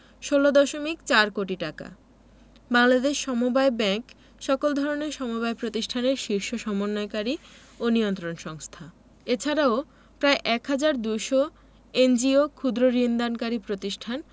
১৬দশমিক ৪ কোটি টাকা বাংলাদেশ সমবায় ব্যাংক সকল ধরনের সমবায় প্রতিষ্ঠানের শীর্ষ সমন্বয়কারী ও নিয়ন্ত্রণ সংস্থা এছাড়াও প্রায় ১ হাজার ২০০ এনজিও ক্ষুদ্র্ ঋণ দানকারী প্রতিষ্ঠান